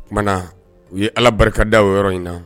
O tumaumana u ye ala barikadaw yɔrɔ in na